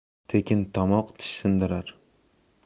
tekin tomoq tish sindirar